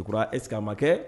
Bura est est ce que a ma kɛ?